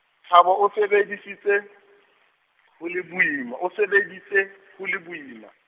Thabo o sebedisitse, ho le boima, o sebeditse, ho le boima.